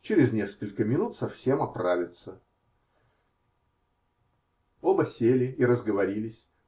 Через несколько минут совсем оправится. Оба сели и разговорились.